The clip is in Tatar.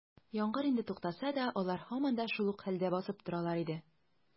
Яңгыр инде туктаса да, алар һаман да шул ук хәлдә басып торалар иде.